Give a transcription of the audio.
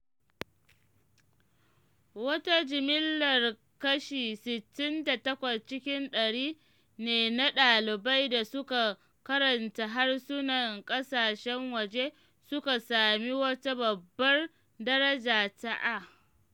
Wata jimillar kashi 68 cikin ɗari ne na ɗalibai da suka karanta harsunan ƙasashen waje suka sami wata Babbar daraja ta A.